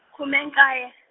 khume nkaye.